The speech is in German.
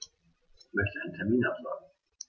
Ich möchte einen Termin absagen.